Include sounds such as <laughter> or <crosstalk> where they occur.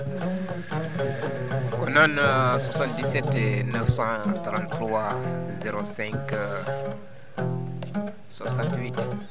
<inhales> ko noon 77 933 05 68